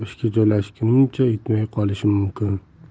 ishga joylashgunimcha yetmay qolishi mumkin